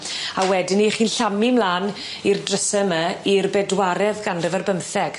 A wedyn 'ny chi'n llamu mlan i'r dryse 'my i'r bedwaredd ganrif ar bymtheg.